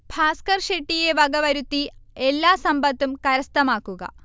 ഭാസ്ക്കർ ഷെട്ടിയെ വക വരുത്തി എല്ലാ സമ്പത്തും കര്സഥമാക്കുക